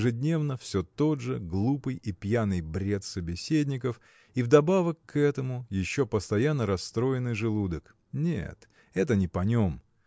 ежедневно все тот же глупый и пьяный бред собеседников и вдобавок к этому еще постоянно расстроенный желудок нет, это не по нем.